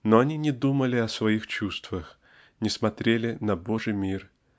-- Но они не думали о своих чувствах, не смотрели на Божий мир